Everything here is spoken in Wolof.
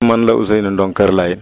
man la Ousseynou Ndong Kër Lahine